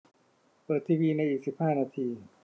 เปิดทีวีในอีกสิบห้านาที